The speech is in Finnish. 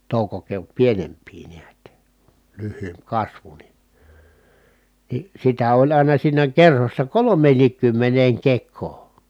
toukokeot pienempiä näet lyhyempi kasvu niin niin sitä oli aina siinä kerhossa kolmeenkinkymmeneen kekoon